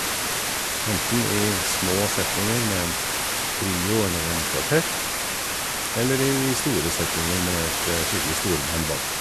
Enten i små settinger med en trio eller en kvartett, eller i store settinger med et skikkelig storband bak.